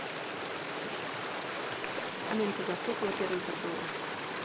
аминка застукала первый поцелуй